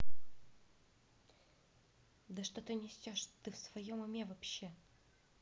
да ты что несешь что ты в своем уме вообще